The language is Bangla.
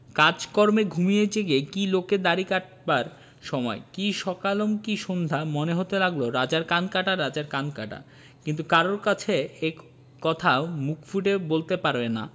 কাজে কর্মে ঘুমিয়ে জেগে কী লোকের দাড়ি কাটবার সময় কী সকালম কী সন্ধ্যা মনে হতে লাগল রাজার কান কাটা রাজার কান কাটা কিন্তু কারুর কাছে এ কথা মুখ ফুটে বলতে পারে না